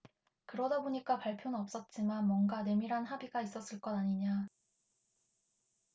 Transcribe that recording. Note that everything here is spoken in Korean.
그러다 보니까 발표는 없었지만 뭔가 내밀한 합의가 있었을 것 아니냐